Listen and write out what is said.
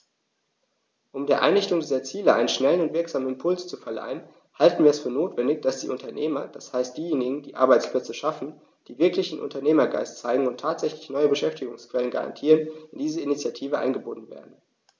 Um der Erreichung dieser Ziele einen schnellen und wirksamen Impuls zu verleihen, halten wir es für notwendig, dass die Unternehmer, das heißt diejenigen, die Arbeitsplätze schaffen, die wirklichen Unternehmergeist zeigen und tatsächlich neue Beschäftigungsquellen garantieren, in diese Initiative eingebunden werden.